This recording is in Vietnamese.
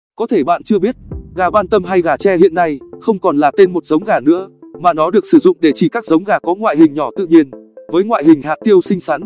có thể bạn chưa biết gà bantam hay gà tre hiện nay không còn là tên một giống gà nữa mà nó được sử dụng để chỉ các giống gà có ngoại hình nhỏ tự nhiện với ngoại hình hạt tiêu xinh xắn